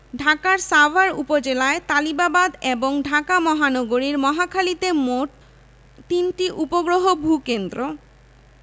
নারায়ণগঞ্জের সোনারগাঁও উপজেলায় শীতলক্ষ্যা নদীর উপর শীতলক্ষ্যা সেতু যেটি কাঁচপুর ব্রীজ নামে অধিক পরিচিত চট্টগ্রামের চান্দগাঁও উপজেলায় কর্ণফুলি নদীর উপর কর্ণফুলি সেতু ইত্যাদি